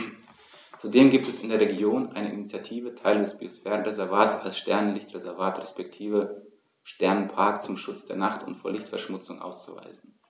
Zudem gibt es in der Region eine Initiative, Teile des Biosphärenreservats als Sternenlicht-Reservat respektive Sternenpark zum Schutz der Nacht und vor Lichtverschmutzung auszuweisen.